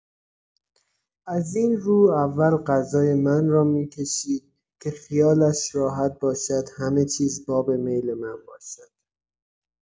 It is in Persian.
از این رو اول غذای من را می‌کشید که خیالش راحت باشد همه چیز باب میل من باشد.